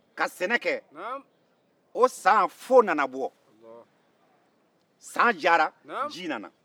ka sɛnɛ kɛ o san fo u nana bɔ san diyara ji nana